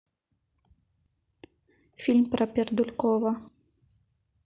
фильм про пердулькова